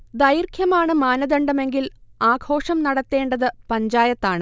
ദൈർഘ്യമാണ് മാനദണ്ഡമെങ്കിൽ ആഘോഷം നടത്തേണ്ടത് പഞ്ചായത്താണ്